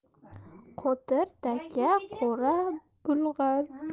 qo'tir taka qo'ra bulg'ar